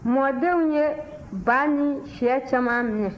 mɔdenw ye ba ni shɛ caman minɛ